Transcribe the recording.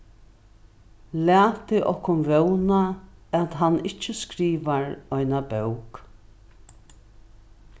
latið okkum vóna at hann ikki skrivar eina bók